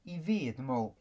I fi dwi'n meddwl...